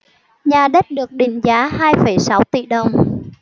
nhà đất được định giá hai phẩy sáu tỉ đồng